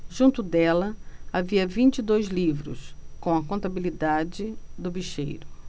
junto dela havia vinte e dois livros com a contabilidade do bicheiro